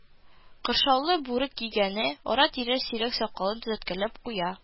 Кыршаулы бүрек кигәне ара-тирә сирәк сакалын төзәткәләп куя: